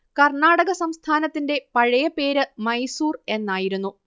കർണാടക സംസ്ഥാനത്തിന്റെ പഴയ പേര് മൈസൂർ എന്നായിരുന്നു